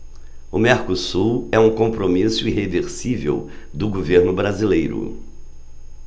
o mercosul é um compromisso irreversível do governo brasileiro